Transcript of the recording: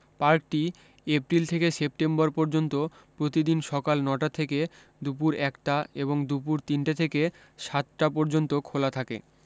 পার্কটি এপ্রিল থেকে সেপ্টেম্বর পর্যন্ত প্রতিদিন সকাল নটা থেকে দুপুর একটা এবং দুপুর তিনটে থেকে সাতটা পর্যন্ত খোলা থাকে